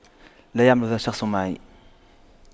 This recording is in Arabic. لا يعمل هذا الشخص معي